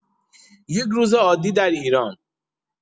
یک روز عادی در ایران!